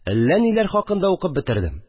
Әллә ниләр хакында укып бетердем